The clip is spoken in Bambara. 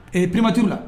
Ɛɛ pbajuru la